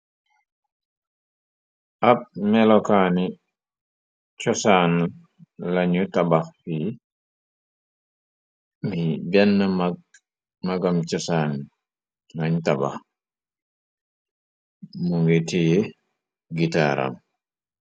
Ab melokaani chosaan lañu tabax fii, mi benn magg, magam cosaan lañu tabax, mu ngi tiye gitaaram.